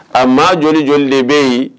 A maa joli joli de bɛ yen?